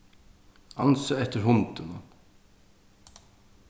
ansa eftir hundinum